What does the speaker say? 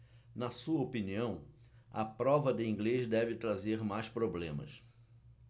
na sua opinião a prova de inglês deve trazer mais problemas